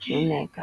ci nekk.